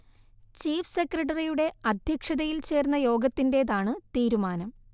chief സെക്രട്ടറിയുടെ അധ്യക്ഷതയിൽ ചേർന്ന യോഗത്തിൻറേതാണ് തീരുമാനം